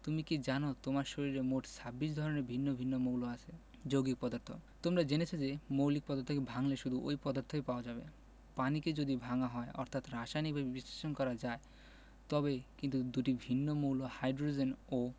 তুমি কি জানো তোমার শরীরে মোট ২৬ ধরনের ভিন্ন ভিন্ন মৌল আছে যৌগিক পদার্থ তোমরা জেনেছ যে মৌলিক পদার্থকে ভাঙলে শুধু ঐ পদার্থই পাওয়া যাবে পানিকে যদি ভাঙা হয় অর্থাৎ রাসায়নিকভাবে বিশ্লেষণ করা যায় তবে কিন্তু দুটি ভিন্ন মৌল হাইড্রোজেন ও